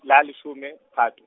la leshome , Phato.